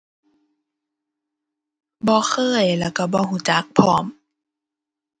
บ่เคย แล้วก็บ่ก็จักพร้อม